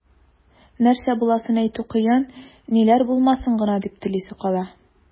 Нәрсә буласын әйтү кыен, ниләр булмасын гына дип телисе кала.